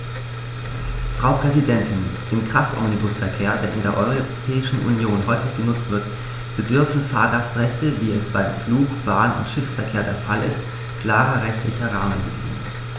Frau Präsidentin, im Kraftomnibusverkehr, der in der Europäischen Union häufig genutzt wird, bedürfen Fahrgastrechte, wie es beim Flug-, Bahn- und Schiffsverkehr der Fall ist, klarer rechtlicher Rahmenbedingungen.